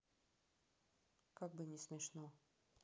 как бы не смешно